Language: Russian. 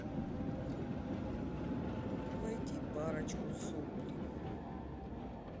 войти парочку сопли